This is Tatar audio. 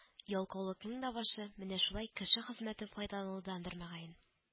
Ялкаулыкның да башы менә шулай кеше хезмәтеннән файдаланудандыр, мөгаен